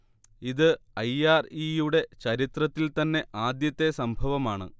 ഇത് I. R. E. യുടെ ചരിത്രത്തിൽ തന്നെ ആദ്യത്തെ സംഭവമാണ്